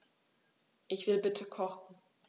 Ich will bitte kochen.